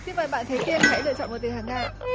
xin mời bạn thế tiên hãy lựa chọn một từ hàng ngang ạ